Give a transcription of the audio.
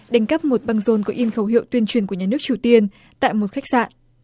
đánh cắp một băng rôn có in khẩu hiệu tuyên truyền của nhà nước triều tiên tại một khách sạn